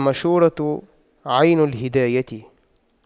المشورة عين الهداية